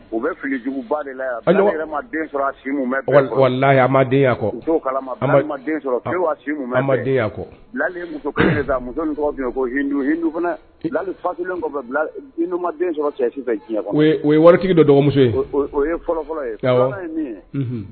U bɛ filijugu de la tɔgɔ o ye waritigi don dɔgɔmuso o fɔlɔ fɔlɔ